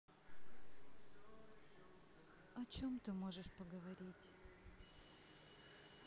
о чем ты можешь поговорить